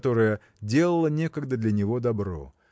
которая делала некогда для него добро.